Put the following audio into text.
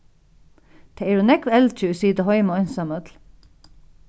tað eru nógv eldri ið sita heima einsamøll